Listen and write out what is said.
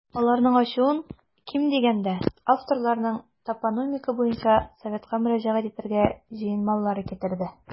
Аларның ачуын, ким дигәндә, авторларның топонимика буенча советка мөрәҗәгать итәргә җыенмаулары китерде.